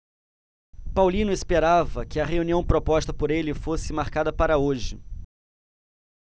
paulino esperava que a reunião proposta por ele fosse marcada para hoje